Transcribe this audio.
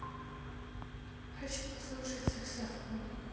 хочу послушать саксофон